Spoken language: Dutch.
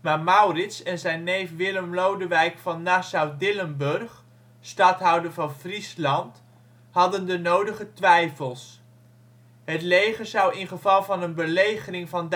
maar Maurits en zijn neef Willem Lodewijk van Nassau-Dillenburg, stadhouder van Friesland, hadden de nodige twijfels. Het leger zou in geval van een belegering van